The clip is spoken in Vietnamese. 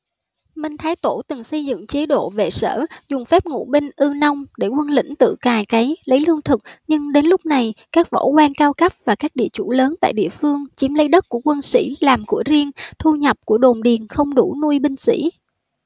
minh thái tổ từng xây dựng chế độ vệ sở dùng phép ngụ binh ư nông để quân lĩnh tự cày cấy lấy lương thực nhưng đến lúc này các võ quan cao cấp và các địa chủ lớn tại địa phương chiếm lấy đất của quân sĩ làm của riêng thu nhập của đồn điền không đủ nuôi binh sĩ